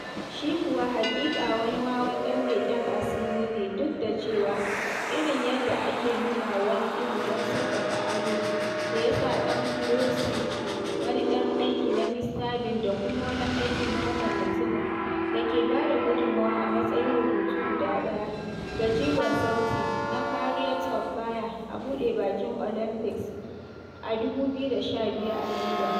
Shi kuwa haƙiƙa wani wawan ɗan leƙen asiri ne duk da cewa irin yadda yake nunawa wani iri don sauƙaƙa ado da ya sa ɗan Clouseau, wani ɗan aiki na Mista Bean da kuma wani aiki na wannan mutumin da ke ba da gudunmawa a matsayin rubutu guda ɗaya ga jigon sauti na Chariots of Fire a buɗe bikin Olympics a 2012 a Landan.